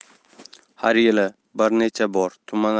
har yili bir necha bor tuman